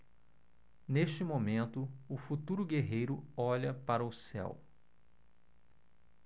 neste momento o futuro guerreiro olha para o céu